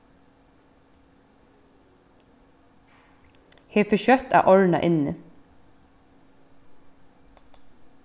her fer skjótt at orna inni